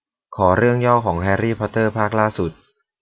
ขอเรื่องย่อของแฮรี่พอตเตอร์ภาคล่าสุด